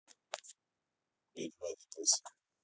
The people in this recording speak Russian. би два депрессия